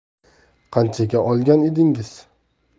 qanchaga olgan edingiz